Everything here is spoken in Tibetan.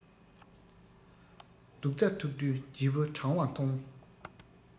སྡུག རྩ ཐུག དུས སྒྱིད བུ གྲང བ མཐོང